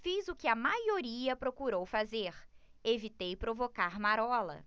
fiz o que a maioria procurou fazer evitei provocar marola